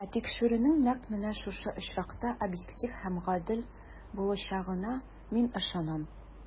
Ә тикшерүнең нәкъ менә шушы очракта объектив һәм гадел булачагына мин ышанам.